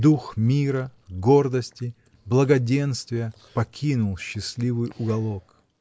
Дух мира, гордости, благоденствия покинул счастливый уголок.